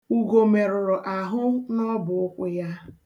Ugo merụrụ ahụ n'ọbụụkwụ ya.